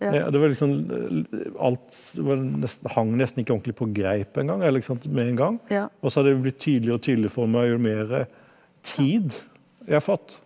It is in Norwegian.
ja det var liksom alt var nesten hang nesten ikke ordentlig på greip en gang eller ikke sant med en gang også har det blitt tydeligere og tydeligere for meg jo mere tid jeg har fått.